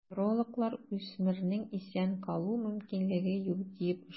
Неврологлар үсмернең исән калу мөмкинлеге юк диеп ышана.